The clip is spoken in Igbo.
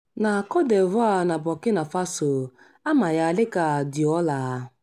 Na Cote d'Ivoire na Burkina Faso, a ma ya dịka Dioula.